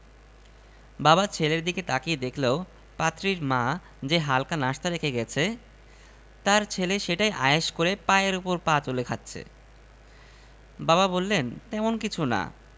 ৬. যখন দেখবেন পত্রিকা পড়ার সময় আবহাওয়ার পূর্বাভাস অংশটুকু লোকে আর এড়িয়ে যাচ্ছে না ৭. যখন দেখবেন আশপাশে হুট করে